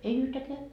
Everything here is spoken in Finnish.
ei yhtäkään